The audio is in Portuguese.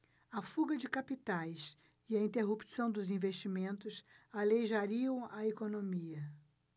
a fuga de capitais e a interrupção dos investimentos aleijariam a economia